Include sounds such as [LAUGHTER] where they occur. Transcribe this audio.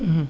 [HESITATION] [HESITATION]